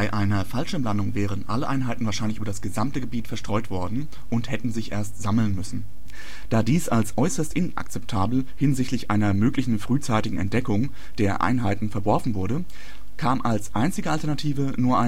einer Fallschirmlandung wären alle Einheiten wahrscheinlich über das gesamte Gebiet verstreut worden und hätten sich erst sammeln müssen. Da dies als äußerst inakzeptabel hinsichtlich einer möglichen frühzeitigen Entdeckung der Einheiten verworfen wurde, kam als einzige Alternative nur